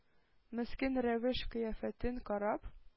Мескен рәвеш-кыяфәтен карап,